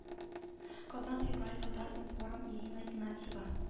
Казан февраль татар-информ ирина игнатьева